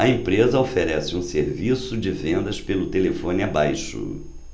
a empresa oferece um serviço de vendas pelo telefone abaixo